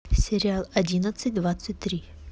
сериал одиннадцать двадцать три